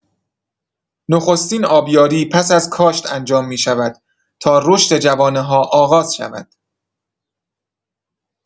نخستین آبیاری پس از کاشت انجام می‌شود تا رشد جوانه‌ها آغاز شود.